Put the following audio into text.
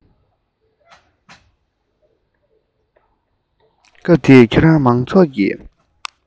ཁྱོད རང མང ཚོགས ཀྱི